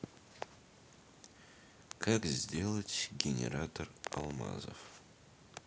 как сделать генератор алмазов